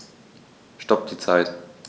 Stopp die Zeit